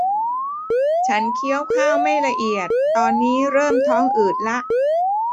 ฉันเคี้ยวข้าวไม่ละเอียดตอนนี้เริ่มท้องอืดละ